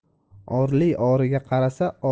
orli origa qarasa